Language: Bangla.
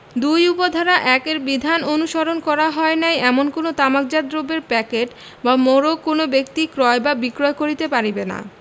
২ উপ ধারা ১ এর বিধান অনুসরণ করা হয় নাই এমন কোন তামাকজাত দ্রব্যের প্যাকেট বা মোড়ক কোন ব্যক্তি ক্রয় বা বিক্রয় করিতে পারিবে না